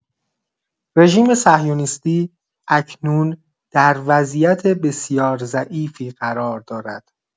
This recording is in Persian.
رژیم صهیونیستی اکنون در وضعیت بسیار ضعیفی قرار دارد.